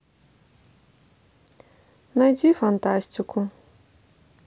найди фантастику